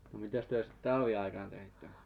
no mitäs te sitten talviaikana teitte